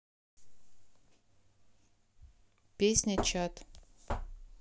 песня чат